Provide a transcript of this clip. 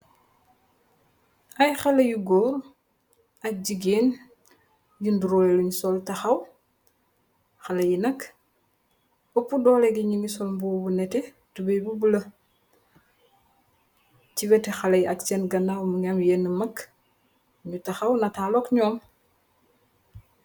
Ay xale yu goor ak jigeen, yu ndurole lunj sol taxaw, xale yi nak oppu dolege nyun ngi sol mbubu yu nete am tubay bu bula, si wetu xale yi ak sen ganaaw mingi am ay mag, yu taxaw nataalu nyum.